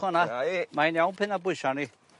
fan 'na. Wna i. Mae'n iawn pry' ma' bwysa arni.